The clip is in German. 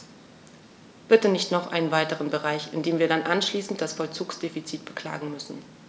Bitte nicht noch einen weiteren Bereich, in dem wir dann anschließend das Vollzugsdefizit beklagen müssen.